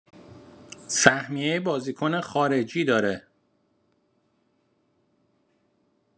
سهمیه بازیکن خارجی داره